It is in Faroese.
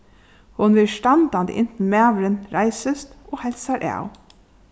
hon verður standandi inntil maðurin reisist og heilsar av